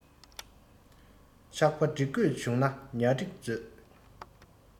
ཆགས པ སྒྲིག དགོས བྱུང ན ཉ སྒྲིག ཡོང